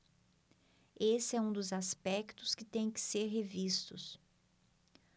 esse é um dos aspectos que têm que ser revistos